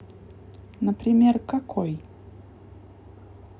например какой